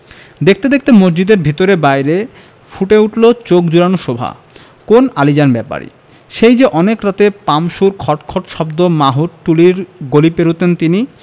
দেখতে দেখতে মসজিদের ভেতরে বাইরে ফুটে উঠলো চোখ জুড়োনো শোভা কোন আলীজান ব্যাপারী সেই যে অনেক রাতে পাম্পসুর খট খট শব্দ মাহুতটুলির গলি পেরুতেন তিনি